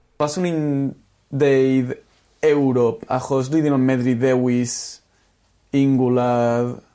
Baswn i'n deudd Ewrop achos dwi ddim yn meddru ddewis un gwladd